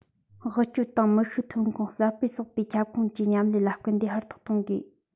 དབུལ སྐྱོར དང མི ཤུགས ཐོན ཁུངས གསར སྤེལ སོགས པའི ཁྱབ ཁོངས ཀྱི མཉམ ལས ལ སྐུལ འདེད ཧུར ཐག གཏོང དགོས